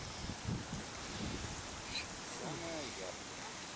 самая яркая